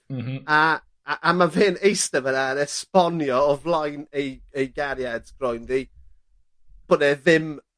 M-hm. A a a ma' fe'n eiste fan 'na yn esbonio o flaen ei ei garied croenddu bod e ddim